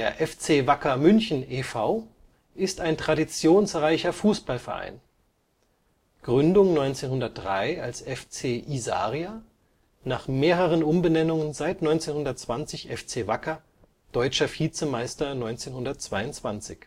FC Wacker München e. V. ist ein traditionsreicher Fußballverein (Gründung 1903 als FC Isaria, nach mehreren Umbenennungen seit 1920 FC Wacker, Deutscher Vizemeister 1922